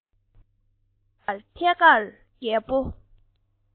མ བཞག པར ཐད ཀར རྒད པོ